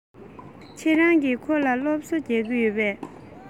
ཁྱེད རང གིས ཁོ ལ སློབ གསོ རྒྱག གི ཡོད པས